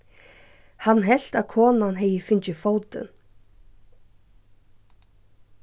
hann helt at konan hevði fingið fótin